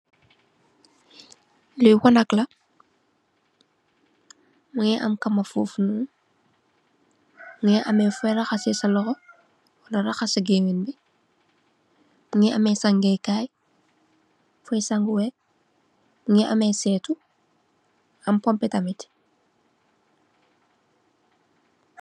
Lii wanakla mungi am kama fofunon mungi ameh foy rahaseh sa loho nga rahass sa gemeny bi mungi ameh sangeh kay foy sanguweh mungi ameh settu am pompeh tamit.